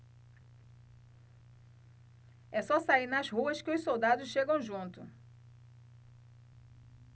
é só sair nas ruas que os soldados chegam junto